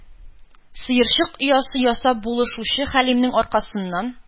Сыерчык оясы ясап булашучы хәлимнең аркасыннан